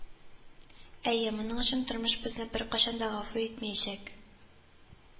Әйе, моның өчен тормыш безне беркайчан да гафу итмәячәк